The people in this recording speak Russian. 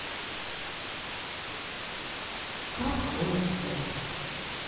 как воет волк